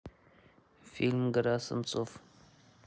фильм гора самоцветов